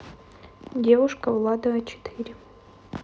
девушка влада а четыре